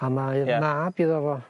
A mae... Ia. ...mab iddo fo...